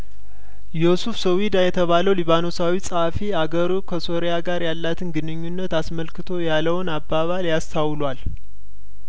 ዮሱፍ ሰዊዳ የተባለው ሊባኖሳዊ ጸሀፊ ሀገሩ ከሶርያጋር ያላትን ግንኙነት አስመልክቶ ያለውን አባባል ያስታውሏል